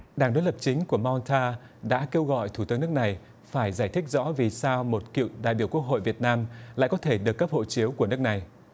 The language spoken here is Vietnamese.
đảng đối lập chính của man tha đã kêu gọi thủ tướng nước này phải giải thích rõ vì sao một cựu đại biểu quốc hội việt nam lại có thể được cấp hộ chiếu của nước này